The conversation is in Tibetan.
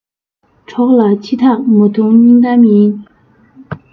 གྲོགས ལ ཕྱི ཐག མ ཐུང སྙིང གཏམ ཡིན